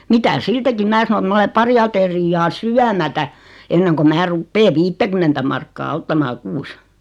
mitä siitäkin minä sanoin että minä olen pari ateriaa syömättä ennen kuin minä rupean viittäkymmentä markkaa ottamaan kuussa